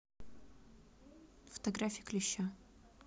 фотография клеща